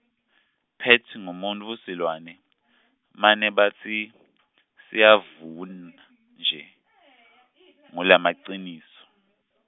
Pat ngumuntfusilwane , mane batsi , siyevuna nje, ngulamaciniso.